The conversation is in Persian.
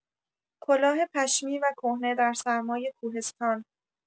کلاه پشمی و کهنه در سرمای کوهستان